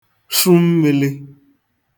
̣ṛhu mmīlī